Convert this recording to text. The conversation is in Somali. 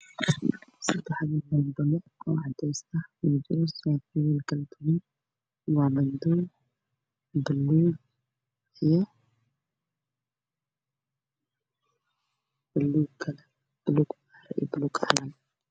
Hal kaan waxaa iiga muuqda sedax saako